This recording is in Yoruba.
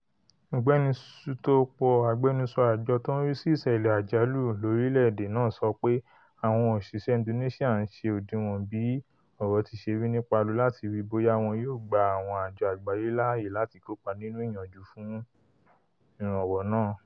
Ọ̀gbẹ́ni Sutopo, agbẹnusọ àjọ tó ń rísí ìṣẹ́lẹ̀ àjálù lórílẹ̀ èdè náà, sọ pé àwọn òṣìṣẹ́ Indonesia ń ṣe òdiwọ̀n bí ọ̀rọ̀ ti ṣe rí ní Palu láti rii bóyá wọn yóò gba àwọn àjọ àgbáyé láàáyé láti kópa nínú ìyànjú fún ìrànwọ́ náà.